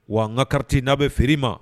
Wa n nka kati n'a bɛ feere ma